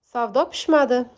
savdo pishmadi